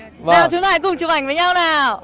nào chúng ta hãy cùng chụp ảnh với nhau nào